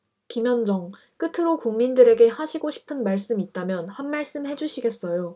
김현정 끝으로 국민들에게 하시고 싶은 말씀 있다면 한 말씀 해주시겠어요